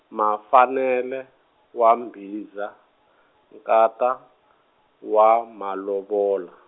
Mafanele, wa Mbhiza, nkata, wa, Malovola.